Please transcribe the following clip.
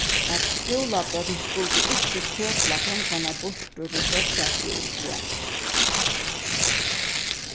at skúlabørn skuldu ikki søpla pengarnar burtur til góðgæti og fjas